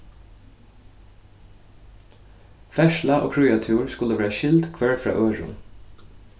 ferðsla og kríatúr skulu verða skild hvør frá øðrum